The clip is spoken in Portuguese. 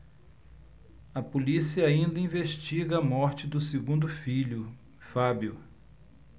a polícia ainda investiga a morte do segundo filho fábio